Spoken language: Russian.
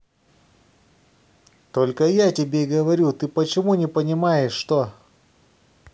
только я тебе говорю ты почему не понимаешь что